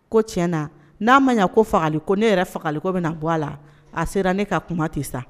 Ko tiɲɛ na, n'a ma ɲɛ ko fagali ko, ne yɛrɛ fagali ko bɛna bɔ a la, a sera ne ka kuma ten sa.